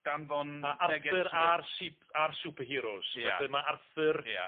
danfon negeswyr a Arthur a'r si- a'r superheroes ia. Felly ma' Arthur ia.